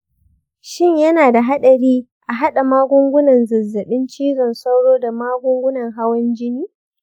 shin yana da haɗari a haɗa magungunan zazzabin cizon sauro da magungunan hawan jini?